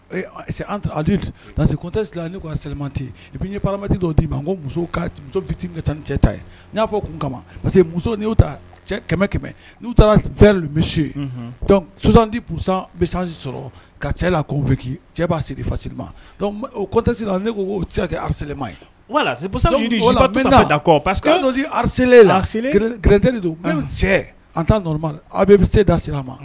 Parce quetɛsi ni' seliti ipi yemati dɔw di' ban n muso ka muso biti ka tan ni cɛ ta n y'a fɔ kama parce que kɛmɛ kɛmɛ n'u taara fɛn misi yecsandi sɔrɔ ka cɛ la'ki cɛ b'a sirifasiri ma otesi ne ko' cɛ kɛ arasselema wala kɔ parce que di sle gt don cɛ anma aw bɛ bɛ se da se a ma